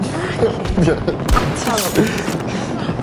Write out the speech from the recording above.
Naci. Ia. Atal